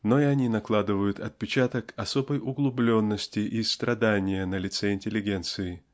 но и они накладывают отпечаток особой углубленности и страдания на. лицо интеллигенции.